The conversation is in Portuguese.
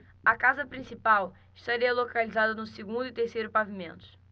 a casa principal estaria localizada no segundo e terceiro pavimentos